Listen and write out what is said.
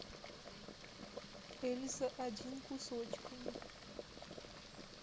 эльза один кусочками